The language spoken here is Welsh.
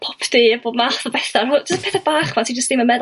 popty a bob math o betha' jyst petha' bach ti jyst ddim yn meddwl